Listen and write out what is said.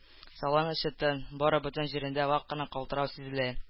Салон эче тын, бары бөтен җирендә вак кына калтырау сизелә